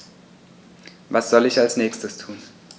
Was soll ich als Nächstes tun?